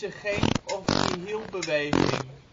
geen of nihil beweging